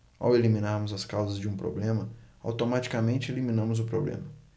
ao eliminarmos as causas de um problema automaticamente eliminamos o problema